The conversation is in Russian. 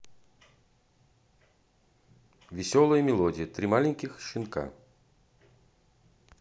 веселые мелодии три маленьких щенка